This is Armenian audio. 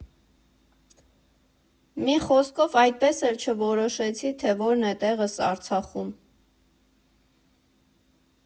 Մի խոսքով, այդպես էլ չորոշեցի, թե որն է տեղս Արցախում։